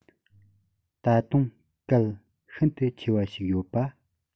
ད དུང གལ ཤིན ཏུ ཆེ བ ཞིག ཡོད པ